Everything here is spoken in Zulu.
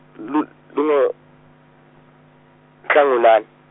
lu- lungo, Ntlangulane.